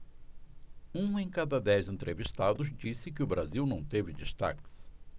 um em cada dez entrevistados disse que o brasil não teve destaques